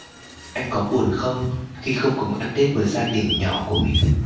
anh có buồn không khi không cùng ăn tết với gia đình nhỏ của mình